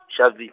Sharpevi-.